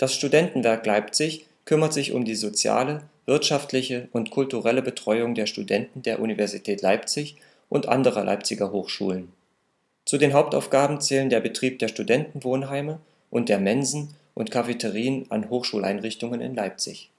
Studentenwerk Leipzig kümmert sich um die soziale, wirtschaftliche und kulturelle Betreuung der Studenten der Universität Leipzig und anderer Leipziger Hochschulen. Zu den Hauptaufgaben zählen der Betrieb der Studentenwohnheime und der Mensen und Cafeterien an Hochschuleinrichtungen in Leipzig